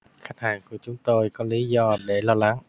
khách hàng của chúng tôi có lý do để lo lắng